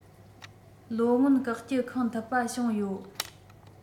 ལོ སྔོན བཀག སྐྱིལ ཁང ཐུབ པ བྱུང ཡོད